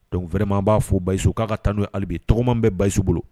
Dɔnku fɛrɛma b'a fɔ basisu k'a ka taa'o abi tɔgɔman bɛ basisu bolo